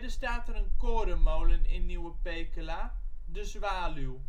staat er een korenmolen in Nieuwe Pekela, De Zwaluw